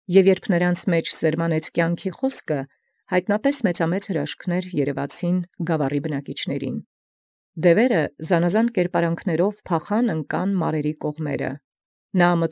Եւ յորժամ ի նոսա զբանն կենաց սերմանեալ, յայտնի իսկ բնակչաց գաւառին նշանք մեծամեծք երևէին, կերպակերպ նմանութեամբ դիւացն փախստական լինելով՝ անկանէին ի կողմանս Մարաց։